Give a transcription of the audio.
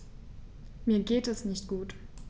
Mir geht es nicht gut.